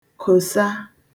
kòsa